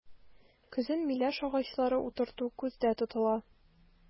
Көзен миләш агачлары утырту күздә тотыла.